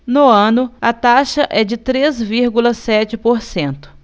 no ano a taxa é de três vírgula sete por cento